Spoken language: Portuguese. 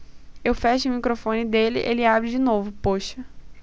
eu fecho o microfone dele ele abre de novo poxa